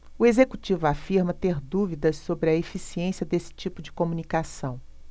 o executivo afirma ter dúvidas sobre a eficiência desse tipo de comunicação